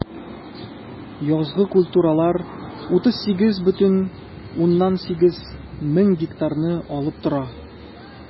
Язгы культуралар 38,8 мең гектарны алып тора.